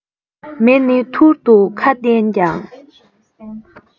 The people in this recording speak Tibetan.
མེ ནི ཐུར དུ ཁ བསྟན ཀྱང